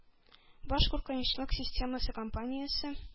Бош куркынычсызлык системасы компаниясе